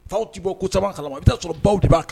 Faw tɛ bɔ ku camanba kala i bɛ'a sɔrɔ baw b'a kan